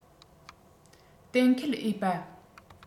གཏན འཁེལ འོས པ